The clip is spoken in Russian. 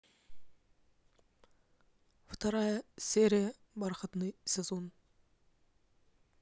вторая серия бархатный сезон